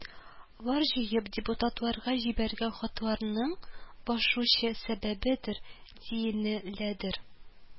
Лар җыеп депутатларга йибәргән хатларның башлыча сәбәбедер, диенеләдер